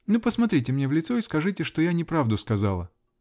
-- Ну, посмотрите мне в лицо и скажите, что я неправду сказала!